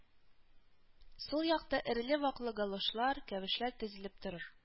Сулъякта эреле-ваклы галошлар, кәвешләр тезелеп торыр